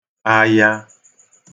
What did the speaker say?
aya